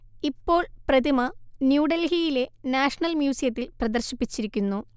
ഇപ്പോൾ പ്രതിമ ന്യൂഡൽഹിയിലെ നാഷണൽ മ്യൂസിയത്തിൽ പ്രദർശിപ്പിച്ചിരിക്കുന്നു